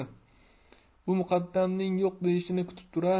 u muqaddamning yo'q deyishini kutib turar